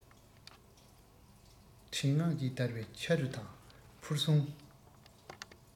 བྲེད དངངས ཀྱིས བརྡལ བའི ཆ རུ དང ཕུར ཟུངས